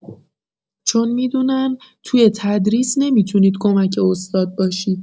چون می‌دونن توی تدریس نمی‌تونید کمک استاد باشید